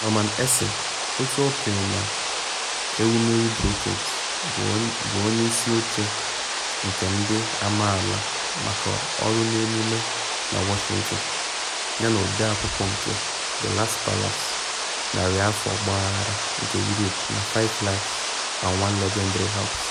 Norman Eisen, otu okenye na Ewumewu Brookings, bụ onye isi oche nke Ndị Amaala maka Ọrụ na Omume na Washington yana ọdee akwụkwọ nke “The Last Palace: Narị Afọ Ọgbaghara nke Europe na Five Lives and One Legendary House.”